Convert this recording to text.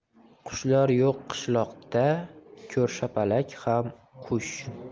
qushlar yo'q qishloqda ko'rshapalak ham qush